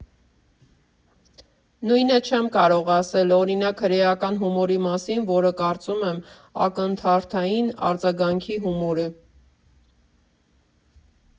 Նույնը չեմ կարող ասել, օրինակ, հրեական հումորի մասին, որը, կարծում եմ, ակնթարթային արձագանքի հումոր է»։